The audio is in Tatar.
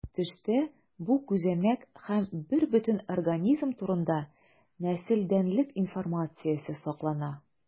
Төштә бу күзәнәк һәм бербөтен организм турында нәселдәнлек информациясе саклана.